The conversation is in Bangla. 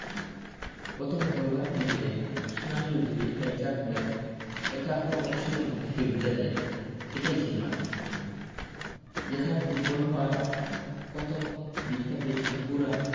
গত মঙ্গলবার বিকেলে সুনালি রোদ্দুরে একঝাঁক মেয়ের একাগ্র অনুশীলন দেখেই বুজা যায় এটাই সেই মাঠ যেখানে ফুটবল হওয়ার পতম দীক্ষা পেয়েছে তহুরা